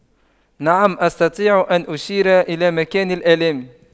نعم أستطيع أن أشير إلى مكان الآلام